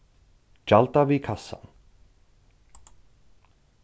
gjalda við kassan